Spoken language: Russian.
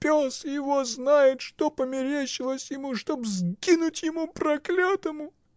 Пес его знает, что померещилось ему, чтоб сгинуть ему, проклятому!